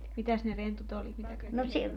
mitäs ne rentut oli mitä kaikkia